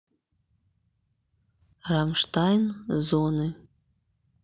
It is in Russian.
рамштайн зоны